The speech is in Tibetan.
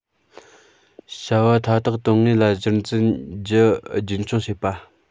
བྱ བ མཐའ དག དོན དངོས ལ གཞིར འཛིན རྒྱུ རྒྱུན འཁྱོངས བྱེད པ